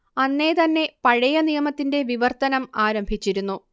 അന്നേ തന്നെ പഴയ നിയമത്തിന്റെ വിവർത്തനം ആരംഭിച്ചിരുന്നു